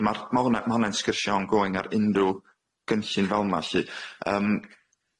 di ma'r ma' hwnna ma' honna'n sgyrsio ongoing ar unrhyw gynllun fel ma' lly yym.